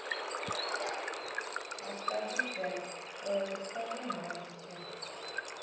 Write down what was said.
расскажи пять ой расскажи новости